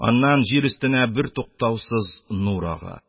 Аннан җир өстенә бертуктаусыз нур ага.